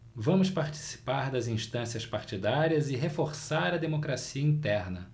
vamos participar das instâncias partidárias e reforçar a democracia interna